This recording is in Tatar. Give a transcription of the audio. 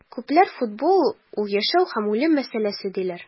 Күпләр футбол - ул яшәү һәм үлем мәсьәләсе, диләр.